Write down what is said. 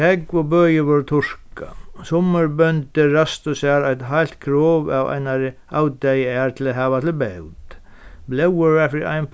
tjógv og bøgir vórðu turkað summir bøndur ræstu sær eitt heilt krov av einari avdeyðaær til at hava til bót blóðið fyri ein